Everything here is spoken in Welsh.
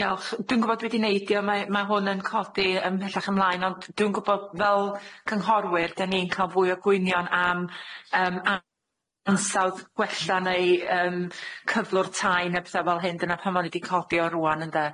Diolch dwi'n gwbod dwi di neidio mae mae hwn yn codi yym pellach ymlaen ond dwi'n gwbod fel cynghorwyr dan ni'n ca'l fwy o gwynion am yym am asawdd gwella neu yym cyflwr tai ne' petha fel hyn dyna pan o'n i di codi o rŵan ynde?